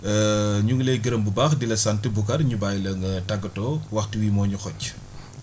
ñu ngi lay gërëm u baax di la sant Boucar ñu bàyyi la nga tàggatoo waxtu wi moo ñu xoj